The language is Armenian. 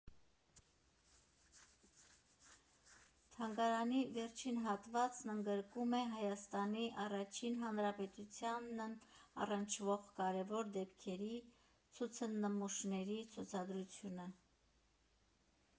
Թանգարանի վերջին հատվածն ընդգրկում է Հայաստանի առաջին Հանրապետությանն առնչվող կարևոր դեպքերի ցուցնմուշների ցուցադրությունը։